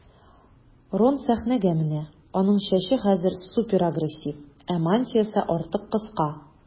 Рон сәхнәгә менә, аның чәче хәзер суперагрессив, ә мантиясе артык кыска.